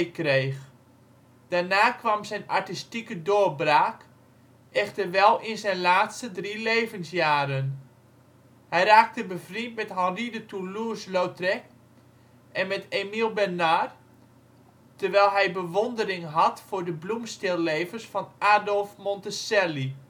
kreeg. Daarna kwam zijn artistieke doorbraak, echter wel in zijn laatste drie levensjaren. Hij raakte bevriend met Henri de Toulouse-Lautrec en met Emile Bernard, terwijl hij bewondering had voor de bloemstillevens van Adolphe Monticelli